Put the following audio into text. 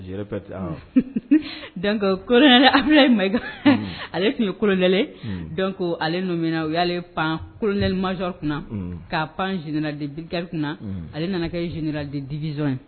Koɛ a ma ale tun ye kolonɛ ko alemina u y'ale pan kolonɛlimazɔn kunna ka pan zinaden bikari kunna ale nana kɛ zina de diz ye